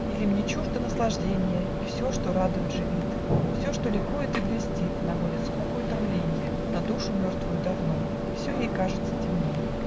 Или мне чуждо наслажденье, И все, что радует, живит, Все, что ликует и блестит Наводит скуку и томленье На душу мертвую давно И все ей кажется темно?